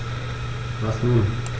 Was nun?